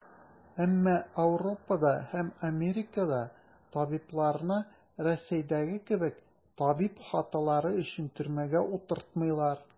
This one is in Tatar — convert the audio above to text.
Әмма Ауропада һәм Америкада табибларны, Рәсәйдәге кебек, табиб хаталары өчен төрмәгә утыртмыйлар.